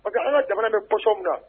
A ka ala jamana bɛ kɔsɔn na